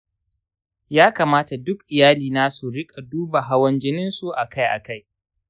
ya kamata duk iyalina su riƙa duba hawan jininsu a kai a kai?